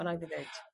Ma raid fi ddeud.